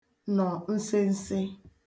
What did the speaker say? nọ nsense